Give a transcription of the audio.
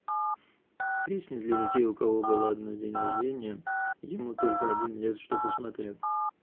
песни для детей у кого было одно день рождения ему только один лет что посмотрел